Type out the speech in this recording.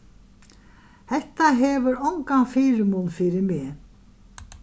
hetta hevur ongan fyrimun fyri meg